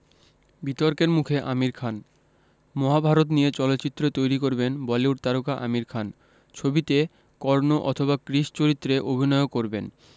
বিতর্কের মুখে আমির খান মহাভারত নিয়ে চলচ্চিত্র তৈরি করবেন বলিউড তারকা আমির খান ছবিতে কর্ণ অথবা কৃষ চরিত্রে অভিনয়ও করবেন